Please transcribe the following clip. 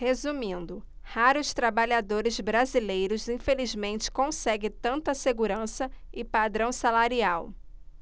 resumindo raros trabalhadores brasileiros infelizmente conseguem tanta segurança e padrão salarial